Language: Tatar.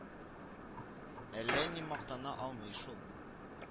Әллә ни мактана алмый шул